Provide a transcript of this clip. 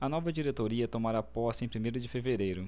a nova diretoria tomará posse em primeiro de fevereiro